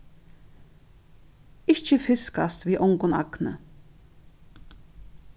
ikki fiskast við ongum agni